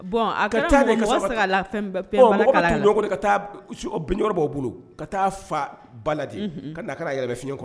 Bɔn ka taa fɛn ka bin b' bolo ka taa fa ba de ka'a ka yɛrɛ fiɲɛn kɔnɔ